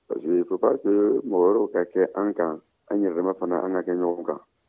paseke il ne faut pas que mɔgɔ dɔ ka kɛ an kan an yɛrɛdama fana an ka kɛ ɲɔgɔn kan